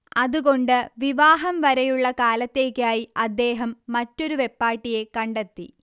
അതുകൊണ്ട് വിവാഹം വരെയുള്ള കാലത്തേയ്ക്കായി അദ്ദേഹം മറ്റൊരു വെപ്പാട്ടിയെ കണ്ടെത്തി